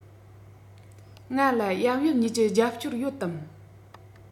ང ལ ཡབ ཡུམ གཉིས ཀྱི རྒྱབ སྐྱོར ཡོད དམ